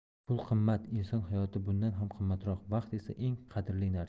pul qimmat inson hayoti bundan ham qimmatroq vaqt esa eng qadrli narsa